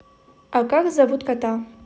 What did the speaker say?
а как зовут кота